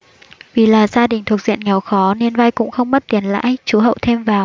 vì là gia đình thuộc diện nghèo khó nên vay cũng không mất tiền lãi chú hậu thêm vào